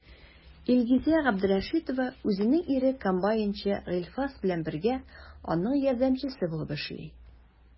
Илгизә Габдрәшитова үзенең ире комбайнчы Гыйльфас белән бергә, аның ярдәмчесе булып эшли.